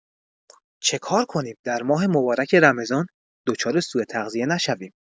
چه کار کنیم در ماه مبارک رمضان دچار سوء‌تغذیه نشویم؟